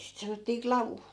sitä sanottiin klavu